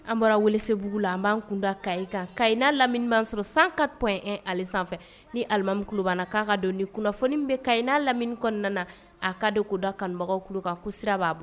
An bɔra wuli se bbugu la an b'an kunda ka kan kaɲina lamini sɔrɔ san ka tɔ ale sanfɛ ni alimami kuba k'a ka don nin kunnafoniin bɛ kaɲyina lamini kɔnɔna kɔnɔna na a ka de ko da kanubagaw kan ko sira b'a bolo